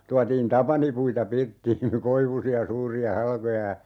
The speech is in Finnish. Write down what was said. tuotiin tapanipuita pirttiin koivuisia suuria halkoja ja